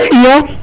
iyo